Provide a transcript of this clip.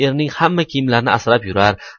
erining hamma kiyimlarini asrab yurar